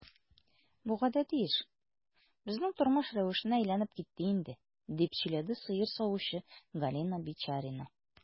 Бу гадәти эш, безнең тормыш рәвешенә әйләнеп китте инде, - дип сөйләде сыер савучы Галина Бичарина.